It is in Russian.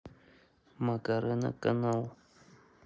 макарена канал